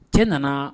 Cɛ nana